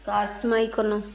k'a suma i kɔnɔ